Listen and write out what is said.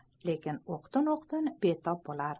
lekin o'qtin o'qtin betob bo'lar